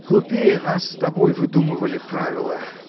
Глупее нас с тобой выдумывали правила!